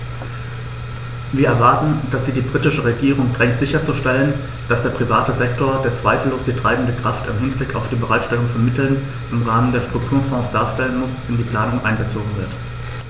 Wir erwarten, dass sie die britische Regierung drängt sicherzustellen, dass der private Sektor, der zweifellos die treibende Kraft im Hinblick auf die Bereitstellung von Mitteln im Rahmen der Strukturfonds darstellen muss, in die Planung einbezogen wird.